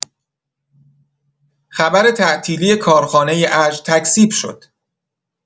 خبر تعطیلی کارخانه ارج تکذیب شد!